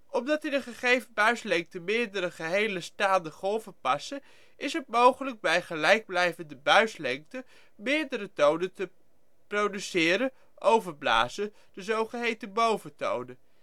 Omdat in een gegeven buislengte meerdere gehele staande golven passen, is het mogelijk bij gelijkblijvende buislengte meerdere tonen te produceren (overblazen), de zogeheten boventonen